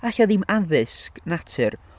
falle ddim addysg natur...